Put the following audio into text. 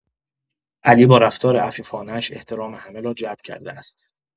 علی با رفتار عفیفانه‌اش احترام همه را جلب کرده است.